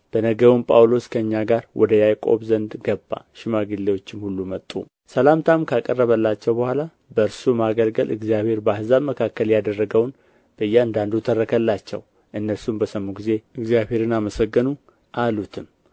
በነገውም ጳውሎስ ከእኛ ጋር ወደ ያዕቆብ ዘንድ ገባ ሽማግሌዎችም ሁሉ መጡ ሰላምታም ካቀረበላቸው በኋላ በእርሱ ማገልገል እግዚአብሔር በአሕዛብ መካከል ያደረገውን በእያንዳንዱ ተረከላቸው እነርሱም በሰሙ ጊዜ እግዚአብሔርን አመሰገኑ አሉትም